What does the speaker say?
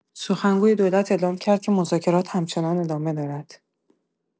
سخنگوی دولت اعلام کرد که مذاکرات همچنان ادامه دارد.